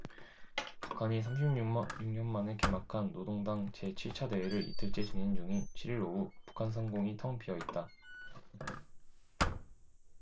북한이 삼십 육 년 만에 개막한 노동당 제 칠 차 대회를 이틀 째 진행 중인 칠 일 오후 북한 상공이 텅 비어 있다